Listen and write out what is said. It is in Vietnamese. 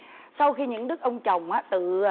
sau khi những đức ông chồng á tự